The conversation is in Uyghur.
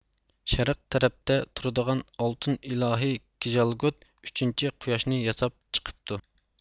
شەرق تەرەپتە تۇرىدىغان ئالتۇن ئىلاھى كىژالگوت ئۈچىنچى قۇياشنى ياساپ چىقىپتۇ